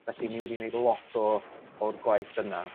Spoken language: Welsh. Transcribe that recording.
felly ni wedi neud lot o o'r gwaith yna.